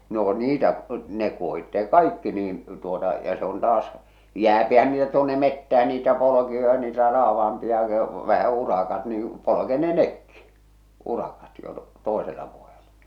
no niitä ne kuohitaan kaikki niin tuota ja se on taas jäähän niitä tuonne metsään niitä polkuja niitä raavaampia vähä urakat niin polkee ne nekin urakat jo toisella vuodella